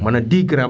maanaam 10 grammes